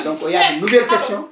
donc y a de nouvelles sections